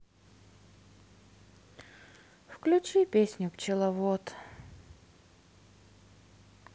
включи песню пчеловод